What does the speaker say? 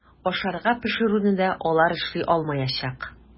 Ашарга пешерүне дә алар эшли алмаячак.